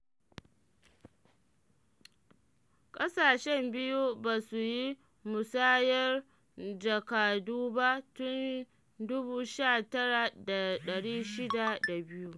Ƙasashen biyun ba su yi musayar jakadu ba tun 1962.